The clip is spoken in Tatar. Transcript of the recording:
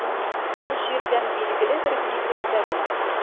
Ул җирдән билгеле бер биеклектә була.